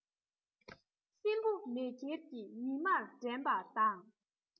སྲིན བུ མེ ཁྱེར གྱིས ཉི མར འགྲན པ དང